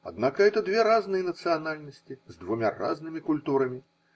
однако это две разные национальности с двумя разными культурами.